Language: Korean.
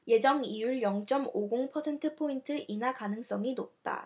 예정이율 영 쩜 오 공 퍼센트포인트 인하 가능성이 높다